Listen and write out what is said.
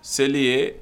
Seli ye